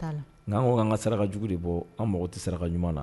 t'a la , awɔ an ka saraka jugu de bɔ an mɔgɔ tɛ saraka ɲuman na